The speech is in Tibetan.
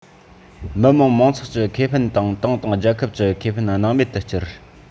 མི དམངས མང ཚོགས ཀྱི ཁེ ཕན དང ཏང དང རྒྱལ ཁབ ཀྱི ཁེ ཕན སྣང མེད དུ བསྐྱུར